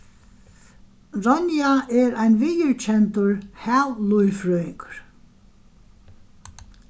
ronja er ein viðurkendur havlívfrøðingur